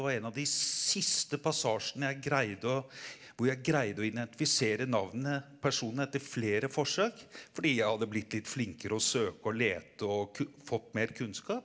det var en av de siste passasjene jeg greide å hvor jeg greide å identifisere navnene personen etter flere forsøk fordi jeg hadde blitt litt flinkere å søke og lete og fått mer kunnskap.